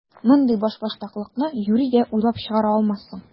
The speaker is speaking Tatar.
Мондый башбаштаклыкны юри дә уйлап чыгара алмассың!